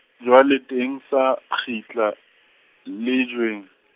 jwale teng sa kgitla, lejweng.